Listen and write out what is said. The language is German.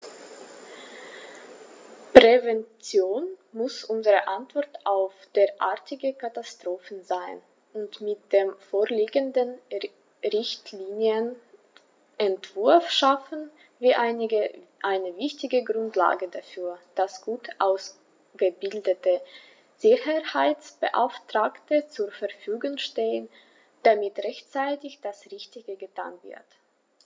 Prävention muss unsere Antwort auf derartige Katastrophen sein, und mit dem vorliegenden Richtlinienentwurf schaffen wir eine wichtige Grundlage dafür, dass gut ausgebildete Sicherheitsbeauftragte zur Verfügung stehen, damit rechtzeitig das Richtige getan wird.